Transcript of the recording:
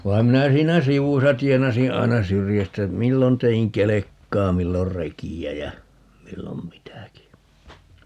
vaan minä siinä sivussa tienasin aina syrjästä milloin tein kelkkaa milloin rekeä ja milloin mitäkin